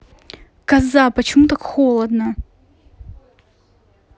коза почему так холодно